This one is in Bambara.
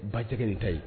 Ba tɛgɛ nin ta yen